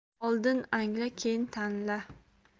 oldin angla keyin tanla